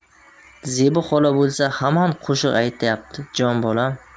zebi xola bo'lsa hamon qo'shiq aytyapti jon bolam